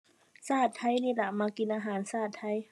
ชาติไทยนี่ล่ะ มักกินอาหารชาติไทย